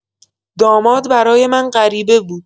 داماد برای من غریبه بود.